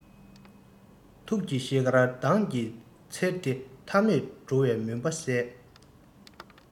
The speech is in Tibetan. ཐུགས ཀྱི ཤེལ དཀར མདངས ཀྱིས འཚེར ཏེ མཐའ མེད འགྲོ བའི མུན པ བསལ